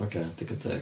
Ocê digon teg.